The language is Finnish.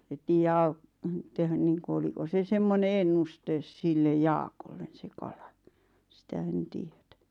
että tiedä - tehdä niin kuin oliko se semmoinen ennuste sille Jaakolle se kala sitä en tiedä